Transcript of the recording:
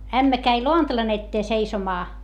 ämmä kävi lantalan eteen seisomaan